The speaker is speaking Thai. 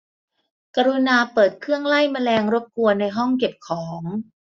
กรุณาเปิดเครื่องไล่แมลงรบกวนในห้องเก็บของ